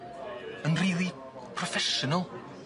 Yn rili proffesional.